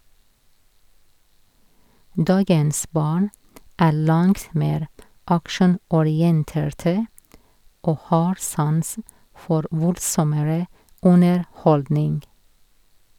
Dagens barn er langt mer actionorienterte og har sans for voldsommere underholdning.